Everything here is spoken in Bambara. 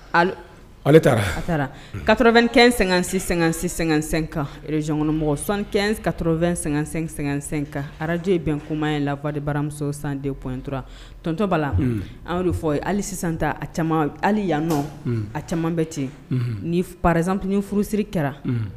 Ale taara ka2ɛnsɛ-sɛ-sɛsɛ kan rezkɔnɔmɔgɔsɔn kato2--sɛsɛka araj ye bɛn kuma in lafa de baramuso sanden ptura tontɔba la anw fɔ ali sisan tan yanɔn a caman bɛ ten ni pazsanptuni furusi kɛra